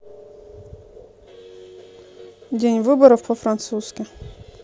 день выборов по французски